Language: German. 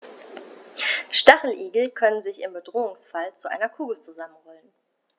Stacheligel können sich im Bedrohungsfall zu einer Kugel zusammenrollen.